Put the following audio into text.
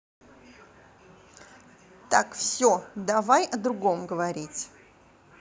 так все давай о другом говорить